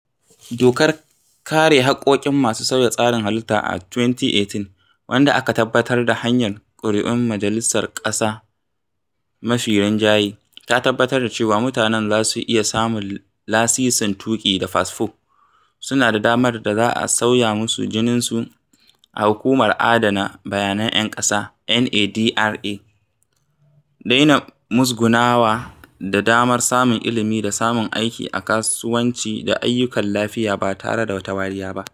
Dokar (Kare Haƙƙoƙin) masu sauya tsarin halitta ta 2018 wadda aka tabbatar ta hanyar ƙuri'un majalisar ƙasa mafiya rinjaye, ta tabbatar da cewa mutanen za su iya samun lasisin tuƙi da fasfo, suna da damar da za a sauya musu jinsinsu a Hukumar Adana Bayanan 'Yan ƙasa (NADRA), daina musgunawa da damar samun ilimi da samun aiki a kasuwanci da ayyukan lafiya ba tare da wata wariya ba.